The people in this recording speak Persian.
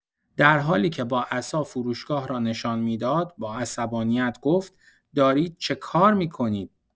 درحالی‌که با عصا فروشگاه را نشان می‌داد، با عصبانیت گفت: «دارید چه کار می‌کنید؟!»